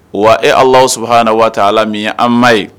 Wa e Alahu subahana watala min ye an ma ye.